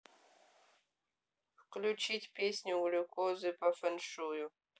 включить песню глюкозы по фен шую